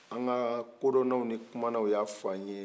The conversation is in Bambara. an ka kodɔnnanw ni kumannanw y'a fɔ an ye